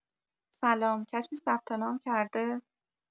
سلام کسی ثبت‌نام کرده؟